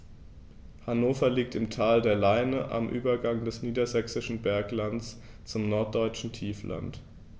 Hannover liegt im Tal der Leine am Übergang des Niedersächsischen Berglands zum Norddeutschen Tiefland.